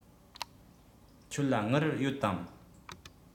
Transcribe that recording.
ཁྱོད ལ དངུལ ཡོད དམ